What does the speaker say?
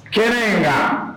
Hɛrɛ yen yan